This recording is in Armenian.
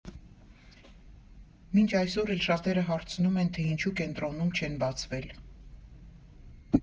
Մինչ այսօր էլ շատերը հարցնում են, թե ինչու կենտրոնում չեն բացվել։